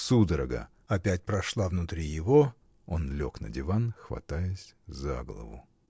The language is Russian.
Судорога опять прошла внутри его, он лег на диван, хватаясь за голову.